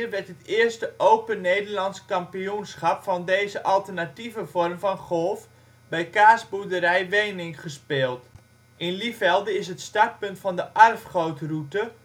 werd het eerste Open Nederlands Kampioenschap van deze alternatieve vorm van golf bij kaasboerderij Weenink gespeeld. In Lievelde is het startpunt van de Arfgoodroute